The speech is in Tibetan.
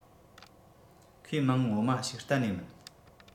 ཁོའི མིང ངོ མ ཞིག གཏན ནས མིན